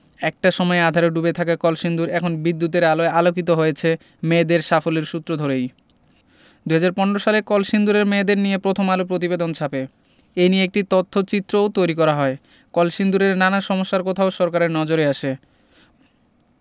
একটা সময়ে আঁধারে ডুবে থাকা কলসিন্দুর এখন বিদ্যুতের আলোয় আলোকিত হয়েছে মেয়েদের সাফল্যের সূত্র ধরেই ২০১৫ সালে কলসিন্দুরের মেয়েদের নিয়ে প্রথম আলো প্রতিবেদন ছাপে এ নিয়ে একটি তথ্যচিত্রও তৈরি করা হয় কলসিন্দুরের নানা সমস্যার কথাও সরকারের নজরে আসে